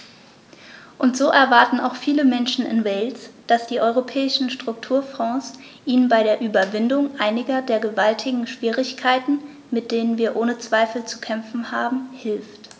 Und so erwarten auch viele Menschen in Wales, dass die Europäischen Strukturfonds ihnen bei der Überwindung einiger der gewaltigen Schwierigkeiten, mit denen wir ohne Zweifel zu kämpfen haben, hilft.